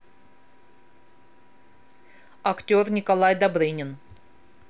актер николай добрынин